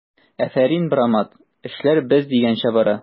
Афәрин, брамат, эшләр без дигәнчә бара!